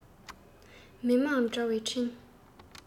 མི དམངས དྲ བའི འཕྲིན